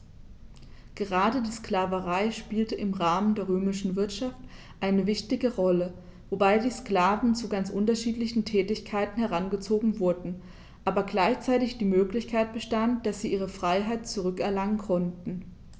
Gerade die Sklaverei spielte im Rahmen der römischen Wirtschaft eine wichtige Rolle, wobei die Sklaven zu ganz unterschiedlichen Tätigkeiten herangezogen wurden, aber gleichzeitig die Möglichkeit bestand, dass sie ihre Freiheit zurück erlangen konnten.